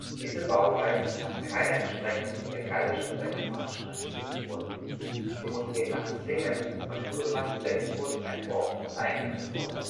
Diese Bauweise hat keine Entsprechung in der gallischen oder germanischen Architektur. Sie muss demnach zwingend von den Römern zweckgebunden entworfen und eingeführt worden